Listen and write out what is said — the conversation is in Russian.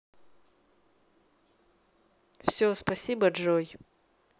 все спасибо джой